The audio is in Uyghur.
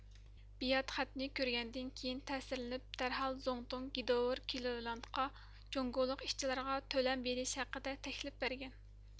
بېياد خەتنى كۆرگەندىن كېيىن تەسىرلىنىپ دەرھال زۇڭتۇڭ گدوۋېر كلېۋېلاندقا جۇڭگولۇق ئىشچىلارغا تۆلەم بېرىش ھەققىدە تەكلىپ بەرگەن